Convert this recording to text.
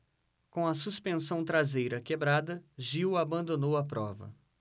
com a suspensão traseira quebrada gil abandonou a prova